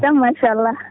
jaam machallah